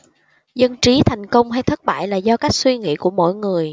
dân trí thành công hay thất bại là do cách suy nghĩ của mỗi người